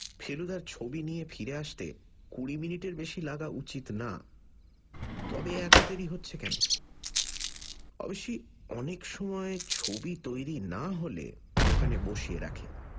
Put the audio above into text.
ফেলুদার ছবি নিয়ে ফিরে আসতে কুড়ি মিনিটের বেশি লাগা উচিত না তবে এত দেরি হচ্ছে কেন অবিশ্যি অনেক সময় ছবি তৈরি না হলে দোকানে বসিয়ে রাখে